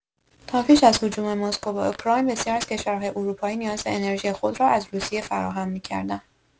تا پیش از هجوم مسکو به اوکراین، بسیاری از کشورهای اروپایی نیاز انرژی خود را از روسیه فراهم می‌کردند.